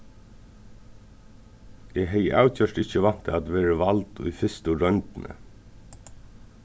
eg hevði avgjørt ikki væntað at verið vald í fyrstu royndini